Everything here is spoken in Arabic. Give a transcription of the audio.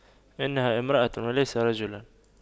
انها امرأة وليس رجلا